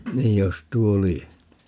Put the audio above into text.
niin jos tuo lie